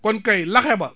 kon kay laxe ba